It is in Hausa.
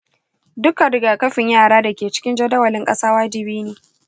dukkan rigakafin yara da ke cikin jadawalin ƙasa wajibi ne.